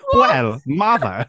Wel, mae fe.